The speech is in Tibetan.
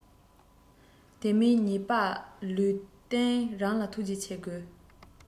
དེ མིན ཉེས པ ལུས སྟེང རང ལ ཐུགས རྗེ ཆེ དགོས